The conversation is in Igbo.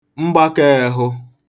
mgbakā ēhụ̄